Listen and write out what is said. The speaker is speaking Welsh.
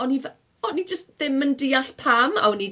O'n i f- o'n i jyst ddim yn diall pam a o'n i